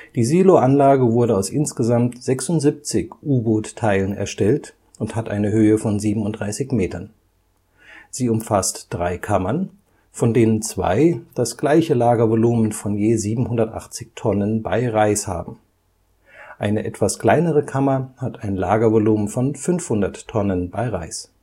Die Siloanlage wurde aus insgesamt 76 U-Boot-Teilen erstellt und hat eine Höhe von 37 Meter. Sie umfasst drei Kammern, von denen zwei das gleiche Lagervolumen von je 780 Tonnen bei Reis haben; eine etwas kleinere Kammer hat ein Lagervolumen von 500 Tonnen bei Reis